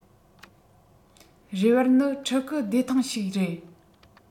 རེ བར ནི ཕྲུ གུ བདེ ཐང ཞིག རེད